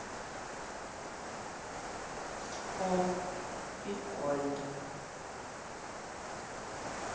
о прикольно